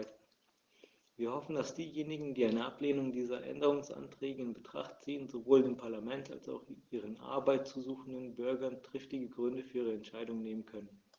Wir hoffen, dass diejenigen, die eine Ablehnung dieser Änderungsanträge in Betracht ziehen, sowohl dem Parlament als auch ihren Arbeit suchenden Bürgern triftige Gründe für ihre Entscheidung nennen können.